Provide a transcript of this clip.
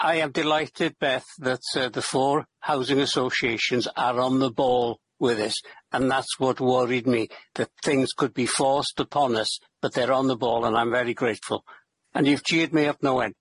I am delighted Beth that yy the four housing associations are on the ball with this and that's what worried me that things could be forced upon us but they're on the ball and I'm very grateful. And you've cheered me up no end.